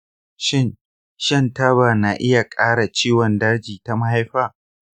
shin shan tabana iya ƙara haɗarin kamuwa da ciwon daji ta mahaifa?